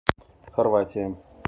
хорватия